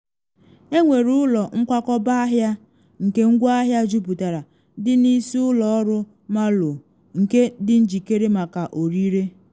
Enwere ụlọ nkwakọba ahịa nke ngwaahịa juputara dị na Isi Ụlọ Ọrụ Marlow nke dị njikere maka ọrịre.”